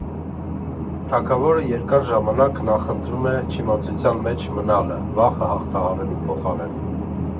Թագավորը երկար ժամանակ նախընտրում է չիմացության մեջ մնալը՝ վախը հաղթահարելու փոխարեն։